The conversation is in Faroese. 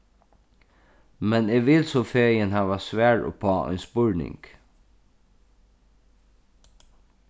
men eg vil so fegin hava svar upp á ein spurning